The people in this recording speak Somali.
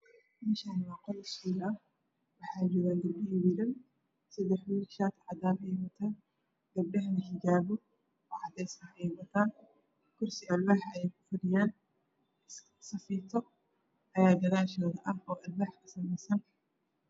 Meshan wa qol iskuul ah waxaa jogan gabdho iyo wiilal sadax wiil shaati cadan ayii wataan gabdhanaa xijaapo cadees ah kursi cadees aha ayey ku fadhiyaan safiito ayaa gadashoodo ah oo al waax kasameesan